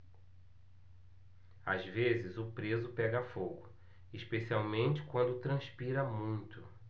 às vezes o preso pega fogo especialmente quando transpira muito